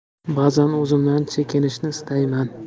ba'zan o'zimdan chekinishni istayman